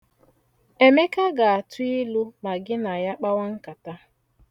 Emeka ga-atụ ilu ma gị na ya kpawa nkata.